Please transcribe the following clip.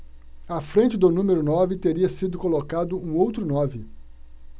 à frente do número nove teria sido colocado um outro nove